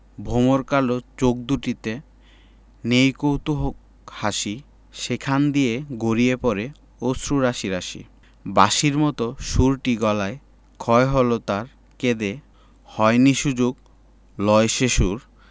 ভমর কালো চোখ দুটিতে নেই কৌতুক হাসি সেখান দিয়ে গড়িয়ে পড়ে অশ্রু রাশি রাশি বাঁশির মতো সুরটি গলায় ক্ষয় হল তাই কেঁদে হয়নি সুযোগ লয় সে সুর